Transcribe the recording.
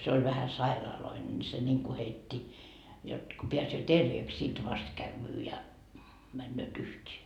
se oli vähän sairaalloinen niin se niin kuin heitti jotta kun pääsee terveeksi sitten vasta käy ja menevät yhteen